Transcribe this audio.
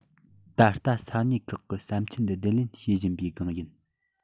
ད ལྟ ས གནས ཁག གི བསམ འཆར བསྡུ ལེན བྱེད བཞིན པའི སྒང ཡིན